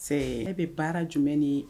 e bɛ baara jumɛn ni